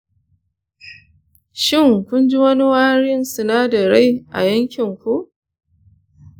shin kun ji wani warin sinadarai a yankinku?